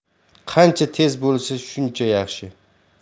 qancha tez bo'lsa shuncha yaxshi